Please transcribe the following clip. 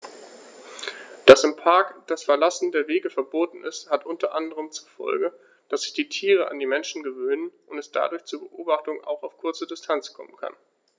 Dass im Park das Verlassen der Wege verboten ist, hat unter anderem zur Folge, dass sich die Tiere an die Menschen gewöhnen und es dadurch zu Beobachtungen auch auf kurze Distanz kommen kann.